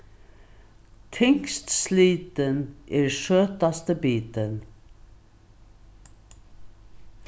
tyngst slitin er søtasti bitin